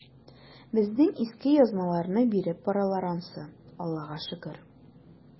Безнең иске язмаларны биреп баралар ансы, Аллага шөкер.